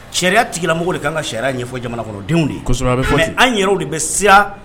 Sariya tigilamɔgɔw de kan ka sariya ɲɛfɔ jamana kɔnɔdenw de ye. Kosɛbɛ,a bɛ fɔ ten. Mais an yɛrɛw de bɛ siran